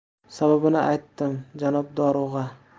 sababini aytdim janob dorug'a